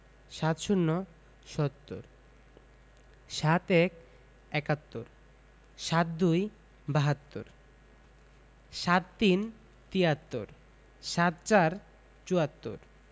৭০ - সত্তর ৭১ – একাত্তর ৭২ – বাহাত্তর ৭৩ – তিয়াত্তর ৭৪ – চুয়াত্তর